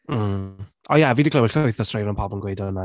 Mm. O ie, a fi ‘di clywed llwyth o straeon pobl yn dweud hwnna